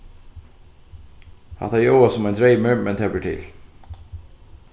hatta ljóðar sum ein dreymur men tað ber til